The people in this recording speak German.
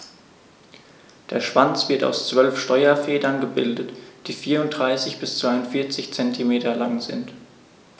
Der Schwanz wird aus 12 Steuerfedern gebildet, die 34 bis 42 cm lang sind.